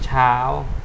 เช้า